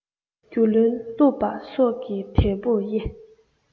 རྒྱུ རློན བཀླུབས པ སོགས ཀྱིས དལ བུར དབྱེ